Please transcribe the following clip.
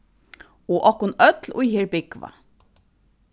og okkum øll ið her búgva